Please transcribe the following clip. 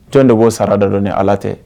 Jɔnon de b'o sara dɔ don ni ala tɛ